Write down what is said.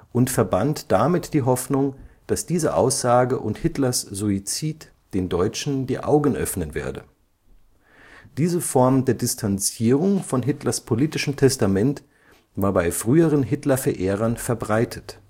und verband damit die Hoffnung, dass diese Aussage und Hitlers Suizid den Deutschen die Augen öffnen werde. Diese Form der Distanzierung von Hitlers politischem Testament war bei früheren Hitlerverehrern verbreitet